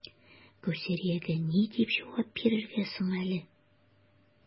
Кәүсәриягә ни дип җавап бирергә соң әле?